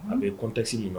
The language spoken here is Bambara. A bɛ kɔntesi in